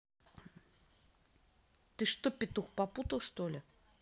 ты что петух попутал что ли